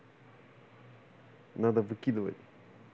надо выкидывать